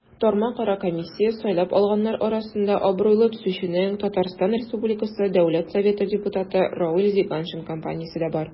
Тармакара комиссия сайлап алганнар арасында абруйлы төзүченең, ТР Дәүләт Советы депутаты Равил Зиганшин компаниясе дә бар.